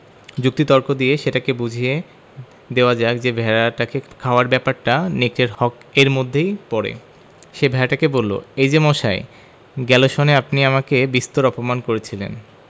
যুক্তি তক্ক দিয়ে সেটাকে বুঝিয়ে দেওয়া যাক যে ভেড়াটাকে খাওয়ার ব্যাপারটা নেকড়ের হক এর মধ্যেই পড়ে সে ভেড়াটাকে বলল এই যে মশাই গেল সনে আপনি আমাকে বিস্তর অপমান করেছিলেন